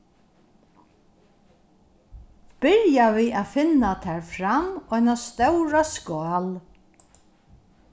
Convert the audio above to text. byrja við at finna tær fram eina stóra skál